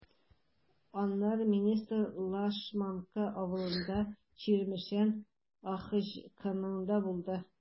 Аннары министр Лашманка авылындагы “Чирмешән” АХҖКында булды.